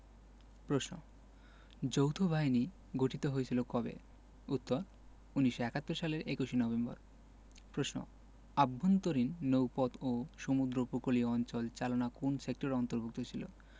প্রশ্ন যৌথবাহিনী গঠিত হয়েছিল কবে উত্তর ১৯৭১ সালের ২১ নভেম্বর প্রশ্ন আভ্যন্তরীণ নৌপথ ও সমুদ্র উপকূলীয় অঞ্চল চালনা কোন সেক্টরের অন্তভু র্ক্ত ছিল